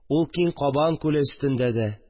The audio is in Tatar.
Ул киң Кабан күле өстендә дә